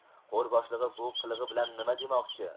qo'r boshlig'i bu qilig'i bilan nima demoqchi